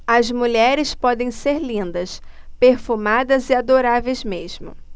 as mulheres podem ser lindas perfumadas e adoráveis mesmo